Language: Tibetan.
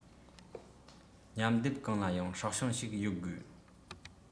མཉམ སྡེབ གང ལ ཡང སྲོག ཤིང ཞིག ཡོད དགོས